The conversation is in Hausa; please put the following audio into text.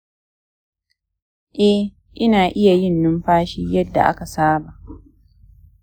eh, ina iya yin numfashi yadda aka saba